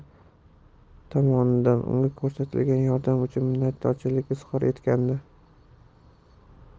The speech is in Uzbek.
ko'rsatilgan yordam uchun minnatdorlik izhor etgandi